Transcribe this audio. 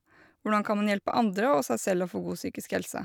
Hvordan kan man hjelpe andre og seg selv å få god psykisk helse.